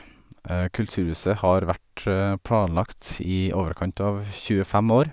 Kulturhuset har vært planlagt i overkant av tjuefem år.